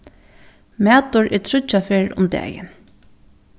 matur er tríggjar ferðir um dagin